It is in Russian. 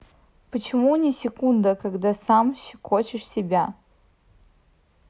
почему не секундно когда сам щекочешь себя